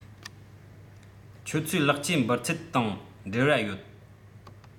ཁྱེད ཚོའི ལེགས སྐྱེས འབུལ ཚད དང འབྲེལ བ ཡོད